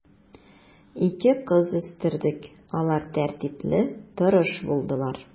Ике кыз үстердек, алар тәртипле, тырыш булдылар.